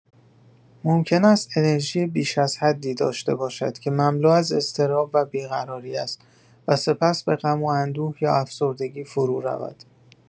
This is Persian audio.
ممکن است انرژی بیش از حدی داشته باشد که مملو از اضطراب و بی‌قراری است و سپس به غم و اندوه یا افسردگی فرورود.